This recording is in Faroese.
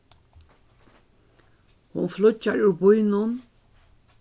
hon flýggjar úr býnum